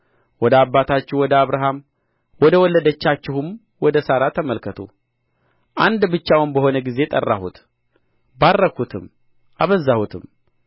ወደ አባታችሁ ወደ አብርሃም ወደ ወለደቻችሁም ወደ ሳራ ተመልከቱ አንድ ብቻውን በሆነ ጊዜ ጠራሁት ባረክሁትም አበዛሁትም